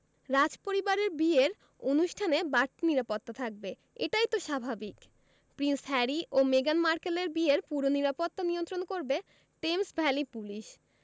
রাজপরিবারের বিয়ের অনুষ্ঠানে বাড়তি নিরাপত্তা থাকবে এটাই তো স্বাভাবিক প্রিন্স হ্যারি ও মেগান মার্কেলের বিয়ের পুরো নিরাপত্তা নিয়ন্ত্রণ করবে টেমস ভ্যালি পুলিশ